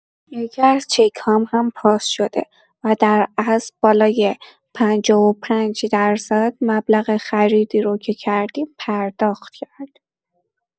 یکی‌از چک‌هام هم پاس شده و در اصل بالای ۵۵٪ مبلغ خریدی رو که کردیم پرداخت کردیم!